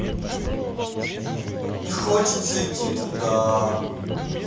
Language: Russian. не хочется идти туда